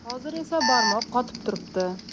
hozir esa barmoq qotib turibdi